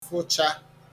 fụcha